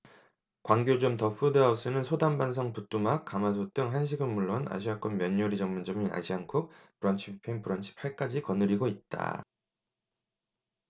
광교점 더 푸드 하우스는 소담반상 부뚜막 가마솥 등 한식은 물론 아시아권 면 요리 전문점인 아시안쿡 브런치뷔페인 브런치 팔 까지 거느리고 있다